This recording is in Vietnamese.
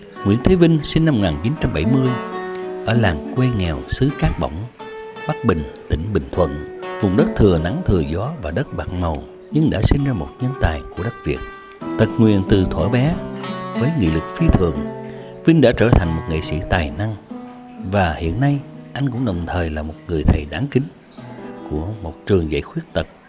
nguyễn thế vinh sinh năm một ngàn chín trăm bảy mươi ở làng quê nghèo xứ cát bỏng bắc bình tỉnh bình thuận vùng đất thừa nắng thừa gió và đất bạc màu nhưng đã sinh ra một nhân tài của đất việt tật nguyền từ thuở bé với nghị lực phi thường vinh đã trở thành một nghệ sĩ tài năng và hiện nay anh cũng đồng thời là một người thầy đáng kính của một trường dạy khuyết tật